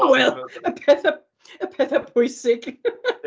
Wel, y petha y petha pwysig .